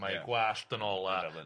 Mae ei gwallt yn ola.